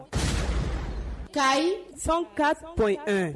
K ayi fɛn ka p an